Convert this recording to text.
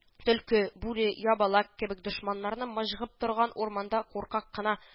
Төлке, бүре, ябалак кебек дошманнары мыжгып торган урманда куркак кына